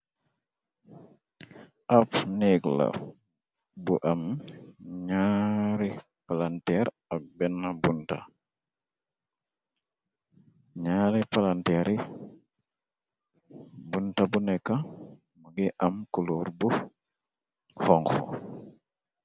Ab neeg la bu am ñyaari palanteer. Ak ñyaari palanteer bunta bu nekk mangi am koloor bu xonxo.